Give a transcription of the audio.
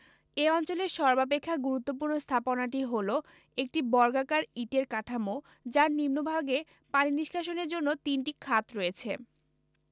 এ অঞ্চলের সর্বাপেক্ষা গুরুত্বপূর্ণ স্থাপনাটি হলো একটি বর্গাকার ইটের কাঠামো যার নিম্নভাগে পানি নিষ্কাশনের জন্য তিনটি খাত রয়েছে